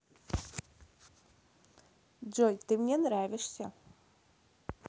джой ты мне нравишься